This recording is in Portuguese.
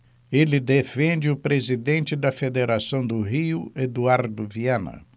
ele defende o presidente da federação do rio eduardo viana